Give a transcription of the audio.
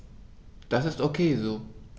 Das ist ok so.